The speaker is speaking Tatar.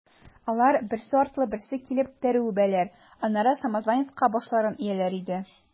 Алар, берсе артлы берсе килеп, тәре үбәләр, аннары самозванецка башларын ияләр иде.